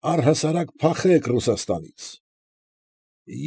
Առհասարակ փախեք Ռուսաստանից։